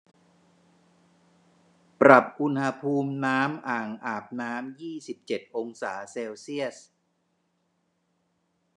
ปรับอุณหภูมิน้ำอ่างอาบน้ำยี่สิบเจ็ดองศาเซลเซียส